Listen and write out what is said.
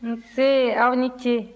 nse aw ni ce